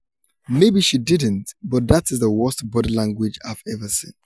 Maybe she didn't, but that's the worst body language I've ever seen."